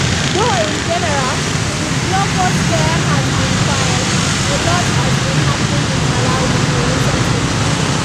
Though in general the blogosphere has been quiet, a lot has been happening in Malawi in recent weeks.